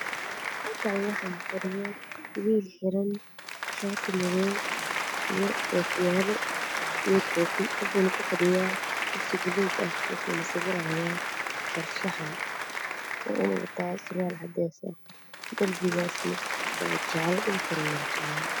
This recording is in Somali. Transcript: Halkaan waxaa fadhiyo wiil xiran shaati madow iyo ookiyaalo iyo koofi waxuu ku fadhiyaa kursi baluug ah waxuuna sawiraa farshaxan waxa uu wadtaa surwaal cadees ah darbigaas waa jaale dhulkane waa jaale